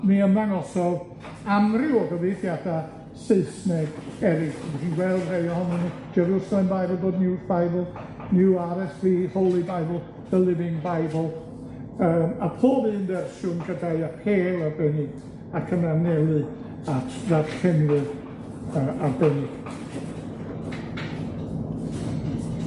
mi ymddangosodd amryw o gyfieithiada Saesneg eryll, 'dach chi'n gweld rhai ohonyn nw, Jerusalem Bible The New Bible, New Are Ess Bee, Holy Bible, The Living Bible, yym a pob un fersiwn gyda'i apêl arbennig ac yn anelu at ddarllenwyr yy arbennig.